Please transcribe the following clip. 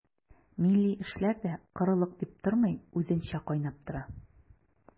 Милли эшләр дә корылык дип тормый, үзенчә кайнап тора.